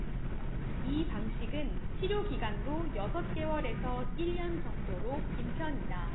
이 방식은 치료 기간도 여섯 개월 에서 일 년 정도로 긴 편이다